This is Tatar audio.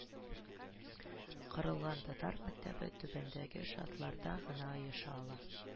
Корылган татар мәктәбе түбәндәге шартларда гына оеша ала: